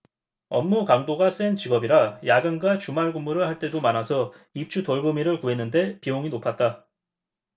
업무 강도가 센 직업이라 야근과 주말근무를 할 때도 많아서 입주돌보미를 구했는데 비용이 높았다